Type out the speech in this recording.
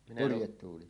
purjetuuli